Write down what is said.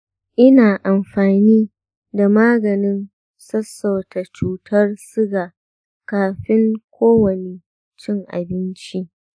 ina amfani da maganin sassauta cutar suga kafin kowane cin abinci.